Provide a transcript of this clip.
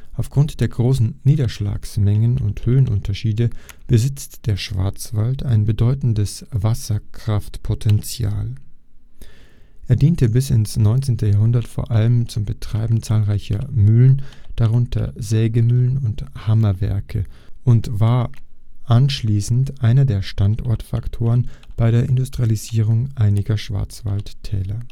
Aufgrund der großen Niederschlagsmengen und Höhenunterschiede besitzt der Schwarzwald ein bedeutendes Wasserkraftpotential. Es diente bis ins 19. Jahrhundert vor allem zum Betreiben zahlreicher Mühlen, darunter Sägemühlen und Hammerwerke, und war anschließend einer der Standortfaktoren bei der Industrialisierung einiger Schwarzwaldtäler